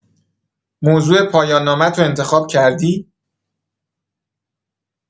موضوع پایان‌نامه‌تو انتخاب کردی؟